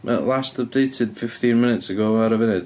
Mae last updated fifteen minutes ago ar y funud.